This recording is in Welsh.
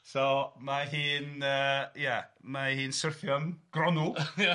So, ma' hi'n yy ia, ma' hi'n syrthio am Gronw... Ia...